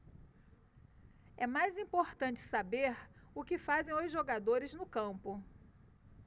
é mais importante saber o que fazem os jogadores no campo